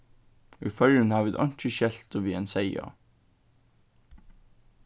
í føroyum hava vit einki skelti við einum seyði á